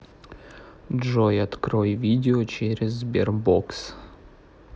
джой открой видео через sberbox